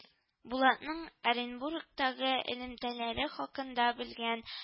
Булатның Оренбургтагы элемтәләре хакында белгән